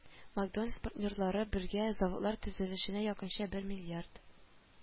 Макдоналдс партнерлары бергә заводлар төзелешенә якынча бер миллиард